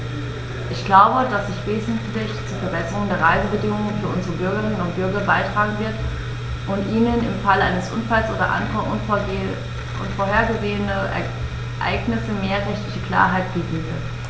Ich glaube, dass sie wesentlich zur Verbesserung der Reisebedingungen für unsere Bürgerinnen und Bürger beitragen wird, und ihnen im Falle eines Unfalls oder anderer unvorhergesehener Ereignisse mehr rechtliche Klarheit bieten wird.